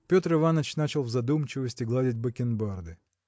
Петр Иваныч начал в задумчивости гладить бакенбарды.